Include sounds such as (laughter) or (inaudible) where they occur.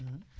(hesitation) (hesitation)